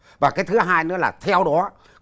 và cái thứ hai nữa là theo đó